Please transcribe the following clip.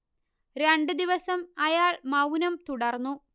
രണ്ടു ദിവസം അയാൾ മൌനം തുടർന്നു